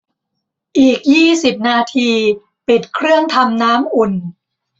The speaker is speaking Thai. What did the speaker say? อีกยี่สิบนาทีปิดเครื่องทำน้ำอุ่น